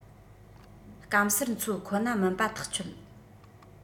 སྐམ སར འཚོ ཁོ ན མིན པ ཐག ཆོད